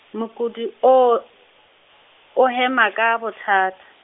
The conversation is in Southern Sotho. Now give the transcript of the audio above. mokudi o, o hema ka bothata.